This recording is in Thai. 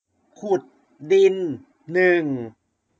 ขุดดินหนึ่ง